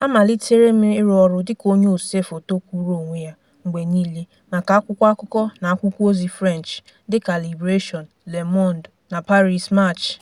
Amalitere m ịrụ ọrụ dịka onye osee foto kwụụrụ onwe ya mgbe niile maka akwụkwọ akụkọ na akwụkwọozi French, dịka Libération, Le Monde, na Paris Match.